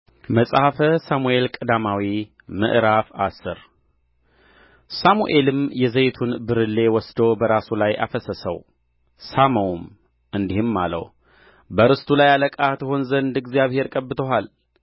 መጽሐፈ ሳሙኤል ቀዳማዊ ምዕራፍ አስር ሳሙኤልም የዘይቱን ብርሌ ወስዶ በራሱ ላይ አፈሰሰው ሳመውም እንዲህም አለው በርስቱ ላይ አለቃ ትሆን ዘንድ እግዚአብሔር ቀብቶሃል